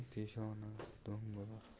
peshonasi do'ng bo'lar